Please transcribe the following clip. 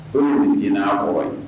sigi n'a kɔrɔ ye